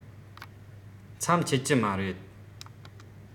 མཚམས ཆད ཀྱི མ རེད